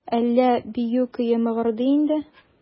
Әллә бию көе мыгырдый инде?